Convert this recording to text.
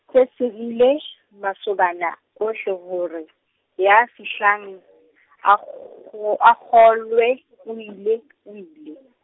se sirile masobana, ohle hore , ya fihlang a kgo-, a kgolwe, o ile , o ile.